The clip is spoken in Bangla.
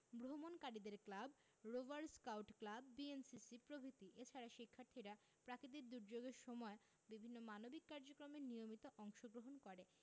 ভ্রমণকারীদের club rover scout club BNCC প্রভৃতি এছাড়া শিক্ষার্থীরা প্রাকৃতিক দূর্যোগের সময় বিভিন্ন মানবিক কার্যক্রমে নিয়মিত অংশগ্রহণ করে